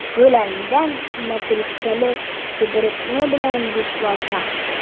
Гөләндәм мәтрүшкәле себерке белән дуслаша.